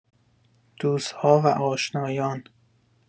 دوست‌ها و آشنایان